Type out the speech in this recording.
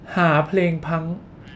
หาเพลงพังค์